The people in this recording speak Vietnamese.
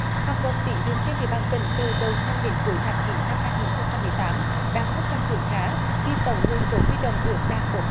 hoạt động tín dụng trên địa bàn tỉnh từ đầu năm đến cuối tháng chín năm hai nghìn không trăm mười tám đạt mức tăng trưởng khá khi tổng nguồn vốn huy động ước đạt bốn